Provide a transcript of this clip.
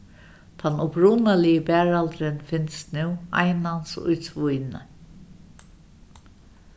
tann upprunaligi baraldurin finst nú einans í svínoy